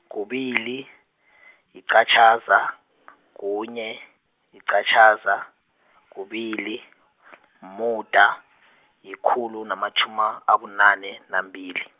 kubili , yiqatjhaza , kunye, yiqatjhaza, kubili , umuda , yikhulu, namatjhumi a-, abune nambili.